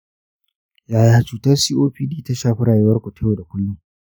yaya cutar copd ta shafi rayuwar ku ta yau da kullum?